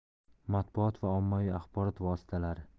matbuot va ommaviy axborot vositalari